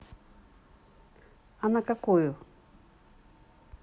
а на какую